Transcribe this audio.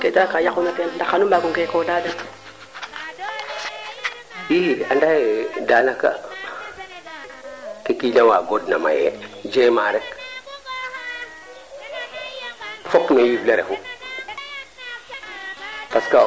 ndaa geek o waaga ngirano geeko o cooxna ketanof te geekin yaam tiye refna no xeeñum mat to wax deg yala fele bo fele oxu waag una refo ɓasil wiin we nduufa nga areer o duufa areer de nduuf pooɗ o duuf pooɗ kude nduuf na o duufin